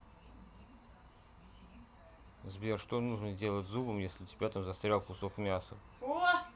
сбер что нужно делать зубом если у тебя там застрял кусок мяса